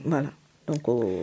' la ko